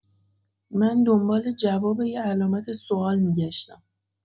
من دنبال جواب یه علامت سوال می‌گشتم.